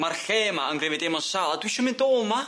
Ma'r lle yma yn greu fi deimlo'n sâl a dwi isio mynd o ma.